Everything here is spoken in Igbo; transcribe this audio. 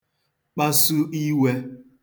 kpasu iwē